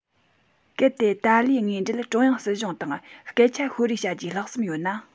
གལ ཏེ ཏཱ ལའི དངོས འབྲེལ ཀྲུང དབྱང སྲིད གཞུང དང སྐད ཆ ཤོད རེས བྱ རྒྱུའི ལྷག བསམ ཡོད ན